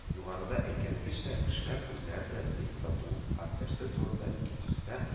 Югарыда әйткәнебезчә, кешеләр үзләре дә бик тату һәм берсе турында икенчесенә